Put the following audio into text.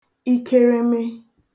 ikereeme